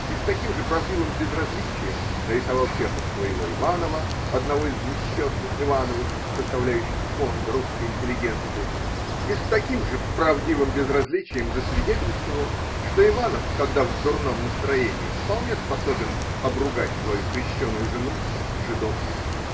И с таким же правдивым безразличием нарисовал Чехов своего Иванова, одного из несчетных Ивановых, составляющих фонд русской интеллигенции, и с таким же правдивым безразличием засвидетельствовал, что Иванов, когда в дурном настроении, вполне способен обругать свою крещеную жену жидовкой.